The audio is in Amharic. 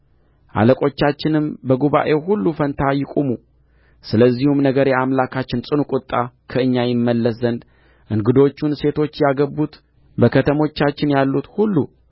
አለቆቻችንም በጉባኤው ሁሉ ፋንታ ይቁሙ ስለዚህም ነገር የአምላካችን ጽኑ ቍጣ ከእኛ ይመለስ ዘንድ እንግዶቹን ሴቶች ያገቡት በከተሞቻችን ያሉት ሁሉ